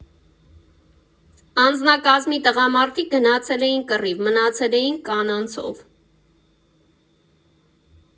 Անձնակազմի տղամարդիկ գնացել էին կռիվ, մնացել էինք կանանցով։